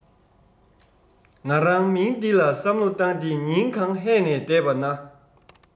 ང རང མིང འདི ལ བསམ བློ བཏང སྟེ ཉིན གང ཧད ནས བསྡད པ ན